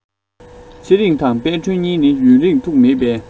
ཚེ རིང དང དཔལ སྒྲོན གཉིས ནི ཡུན རིང ཐུགས མེད པས